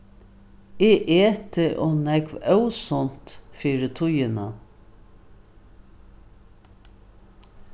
eg eti ov nógv ósunt fyri tíðina